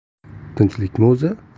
tinchlikmi o'zi